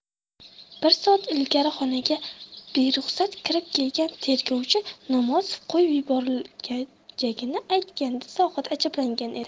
bir soat ilgari xonaga beruxsat kirib kelgan tergovchi namozov qo'yib yuborilajagini aytganda zohid ajablangan edi